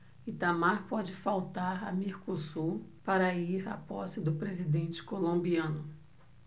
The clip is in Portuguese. itamar pode faltar a mercosul para ir à posse do presidente colombiano